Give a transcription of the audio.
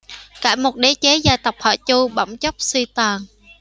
cả một đế chế gia tộc họ chu bỗng chốc suy tàn